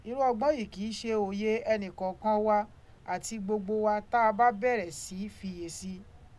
Irú ọgbọ́n yìí kì í ṣe òye ẹnì kọ̀ọ̀kan wa àti gbogbo wa tá a bá bẹ̀rẹ̀ sí í fiyè sí i.